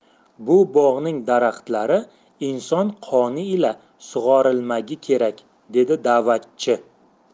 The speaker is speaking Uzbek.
bu bog'ning daraxtlari inson qoni ila sug'orilmagi kerak dedi da'vatchi